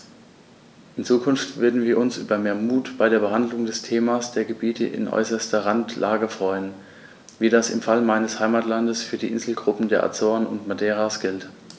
In Zukunft würden wir uns über mehr Mut bei der Behandlung des Themas der Gebiete in äußerster Randlage freuen, wie das im Fall meines Heimatlandes für die Inselgruppen der Azoren und Madeiras gilt.